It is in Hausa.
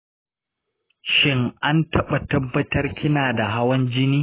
shin an taba tabbatar kina da hawan jini?